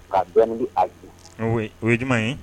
Ka gdu aliku n o ye jumɛn ye